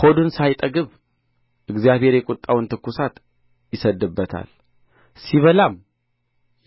ሆዱን ሳያጠግብ እግዚአብሔር የቍጣውን ትኵሳት ይሰድድበታል ሲበላም